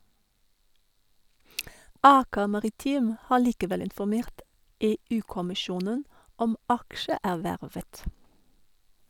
Aker Maritime har likevel informert EU-kommisjonen om aksjeervervet.